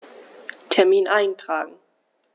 Termin eintragen